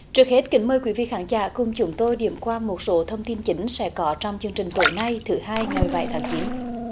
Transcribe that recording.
trước hết kính mời quý vị khán giả cùng chúng tôi điểm qua một số thông tin chính sẽ có trong chương trình tối nay thứ hai ngày bảy tháng chín